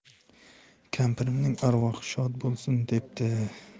kampirimning arvohi shod bo'lsin debdi